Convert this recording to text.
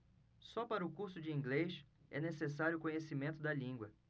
só para o curso de inglês é necessário conhecimento da língua